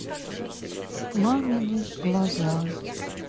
мамины глаза